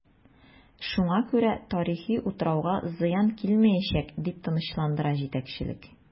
Шуңа күрә тарихи утрауга зыян килмиячәк, дип тынычландыра җитәкчелек.